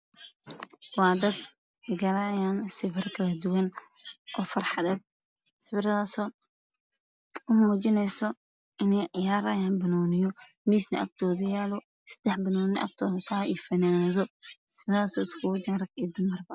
Waa dad galaayo sawir kale duwan waxay muujinayaan inay cayaarahayaan banooni seddex banooni ayaa agtooda taalo iyo fanaanado oo iskugu jiro rag iyo dumar.